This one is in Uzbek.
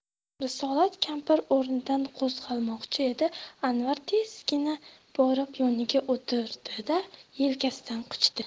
risolat kampir o'rnidan qo'zg'almoqchi edi anvar tezgina borib yoniga o'tirdi da yelkasidan quchdi